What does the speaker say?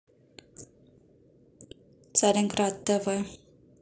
царь град тв